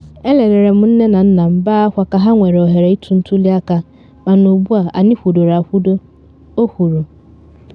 Elelere m nne na nna m bee akwa ka ha nwere ohere ịtụ ntuli aka mana ugbu a anyị kwudoro akwudo,” o kwuru.